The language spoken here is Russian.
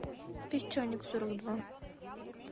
песчаник сорок два